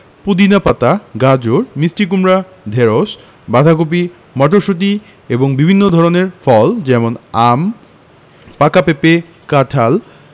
পুদিনা পাতা গাজর মিষ্টি কুমড়া ঢেঁড়স বাঁধাকপি মটরশুঁটি এবং বিভিন্ন ধরনের ফল যেমন আম পাকা পেঁপে কাঁঠাল